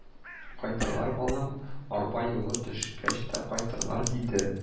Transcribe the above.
– кайтырлар, балам, арба юлы төшкәч тә кайтырлар, – диде